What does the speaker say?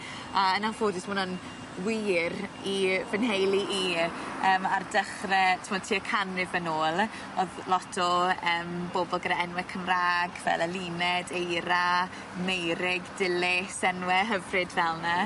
A yn anffodus ma' wnna'n wir i fy nheulu i yym ar dechre t'mod tua canrif yn ôl o'dd lot o yym bobol gyda enwe Cymra'g fel Eluned, Eira Meirug, Dilys enwe hyfryd fel 'ny.